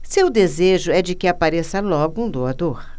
seu desejo é de que apareça logo um doador